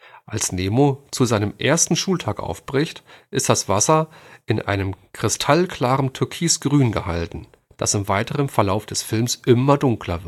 Als Nemo zu seinem ersten Schultag aufbricht, ist das Wasser in einem kristallklarem Türkisgrün gehalten, das im weiteren Verlauf des Films immer dunkler